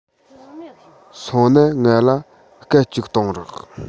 སོང ན ང ལ སྐད ཅིག གཏོང རོགས